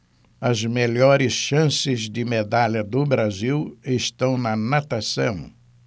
as melhores chances de medalha do brasil estão na natação